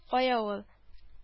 Кая ул